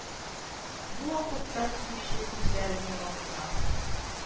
Бу вакытта көтүче күзләрен йомып тора